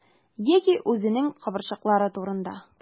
Яки үзенең кабырчрыклары турында.